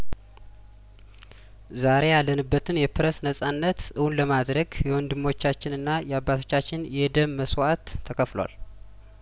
ዛሬ ያለንበትን የፕሬስ ነጻነት እውን ለማድረግ የወንድሞቻችን እና የአባቶቻችን የደም መስዋእት ተከፍሏል